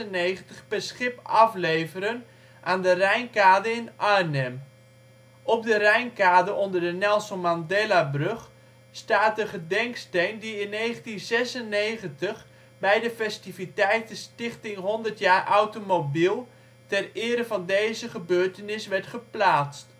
1896 per schip afleveren aan de Rijnkade in Arnhem. Op de Rijnkade onder de Nelson Mandelabrug staat de gedenksteen die in 1996 bij de festiviteiten Stichting 100 Jaar Automobiel ter ere van deze gebeurtenis werd geplaatst